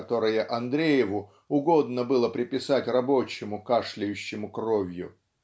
которые Андрееву угодно было приписать рабочему кашляющему кровью